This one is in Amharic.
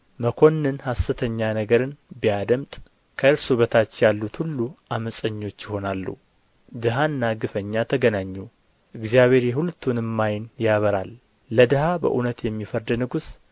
መኰንን ሐሰተኛ ነገርን ቢያደምጥ ከእርሱ በታች ያሉት ሁሉ ዓመፅኞች ይሆናሉ ድሀና ግፈኛ ተገናኙ እግዚአብሔር የሁለቱንም ዓይን ያበራል ለድሀ በእውነት የሚፈርድ ንጉሥ